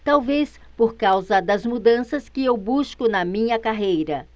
talvez por causa das mudanças que eu busco na minha carreira